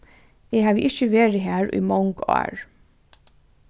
eg havi ikki verið har í mong ár